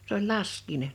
se oli laskiainen